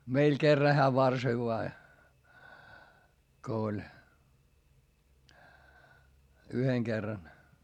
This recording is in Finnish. meillä kerran hän varsoi vain kun oli yhden kerran